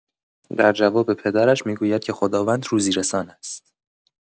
در جواب پدرش می‌گوید که خداوند روزی‌رسان است.